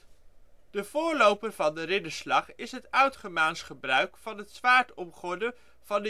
voorloper van de ridderslag is het oudgermaanse gebruik van het zwaard omgorden van